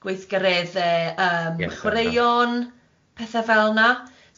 Gweithgaredde yym chwaraeon, petha fel 'na.